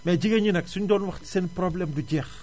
mais jigéen ñi nag suñu doon wax seen problème du jeex